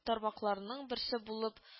Тармакларның берсе булып